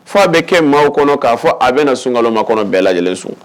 Fɔ a bɛ kɛ maaw kɔnɔ k'a fɔ a bɛna sunkalomakɔnɔ bɛɛ lajɛlen sun